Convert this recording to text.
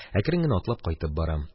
Әкрен генә атлап кайтып барам